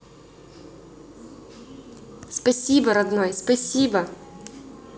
спасибо родной спасибо